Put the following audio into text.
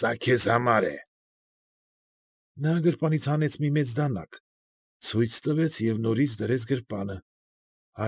Սա քեզ համար է… ֊ Նա գրպանից հանեց մի մեծ դանակ, ցույց տվեց և նորից դրեց գրպանը։